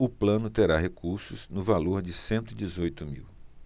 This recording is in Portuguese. o plano terá recursos no valor de cento e dezoito mil